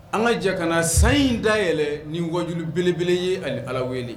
An ŋa jɛ kana san in da yɛlɛ ni wajulu belebele ye ani Ala wele